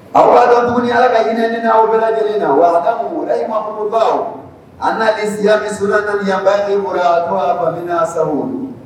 Aw dɔn tuguni ala ka hinɛina ɲini aw bɛɛ lajɛlen na wa ka munyi mambagaw a' ni siya ni sula naaniyanba boloya' basa